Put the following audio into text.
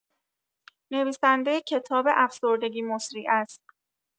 نویسنده کتاب افسردگی مسری است